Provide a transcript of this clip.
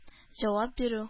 Җавап бирү